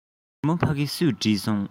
རི མོ ཕ གི སུས བྲིས སོང